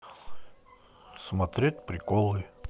смотреть приколы